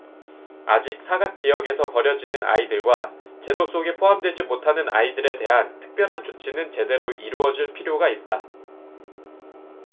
아직 사각지역에서 버려지는 아이들과 제도 속에 포함되지 못하는 아이들에 대한 특별한 조치는 제대로 이루어질 필요가 있다